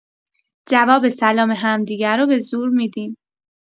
جواب سلام همدیگه رو به‌زور می‌دین